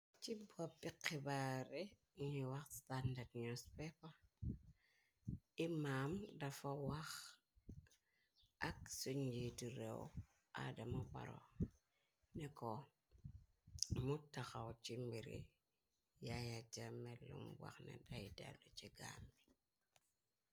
Ci boppi xibaare ñu wax standard news paper. Manam dafa wax ak sunjiitu réew adama baro neko mu taxaw ci mbiri. Gaayit ja mel lumu waxna dey dallu ci gaam bi.